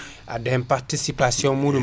adda hen participation :muɗum